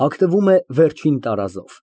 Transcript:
Հագնվում է վերջին տարազով։